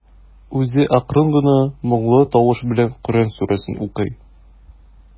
Үзе акрын гына, моңлы тавыш белән Коръән сүрәсен укый.